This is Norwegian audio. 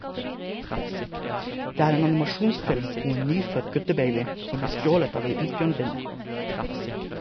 Det er en animasjonsfilm om en nyfødt guttebaby som blir stjålet av ei isbjørnbinne.